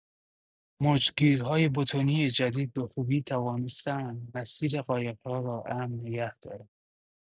موج‌گیرهای بتنی جدید به خوبی توانسته‌اند مسیر قایق‌ها را امن نگه دارند.